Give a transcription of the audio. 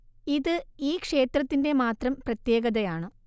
ഇത് ഈ ക്ഷേത്രത്തിന്റെ മാത്രം പ്രത്യേകതയാണ്